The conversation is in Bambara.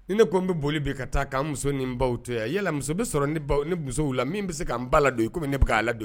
Ni ne ko n be boli bi ka taa ka n muso ni baw to yan. Yala muso be sɔrɔ ne baw ne musow la min be se ka n ba la don i komi ne bi ka ladon